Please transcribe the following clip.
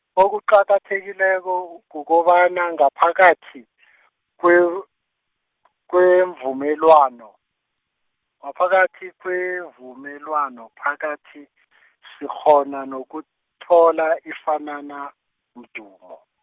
okuqakathekileko kukobana ngaphakathi , kwe-, kweemvumelwano, ngaphakathi kwevumelwano phakathi , sikghona nokuthola ifanana, mdumo.